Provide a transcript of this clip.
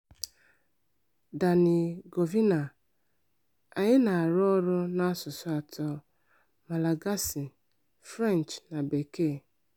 DG: Anyị na-arụ ọrụ n'asụsụ atọ: Malagasy, French na Bekee.